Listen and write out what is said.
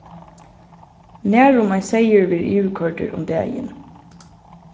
nærum ein seyður verður yvirkoyrdur um dagin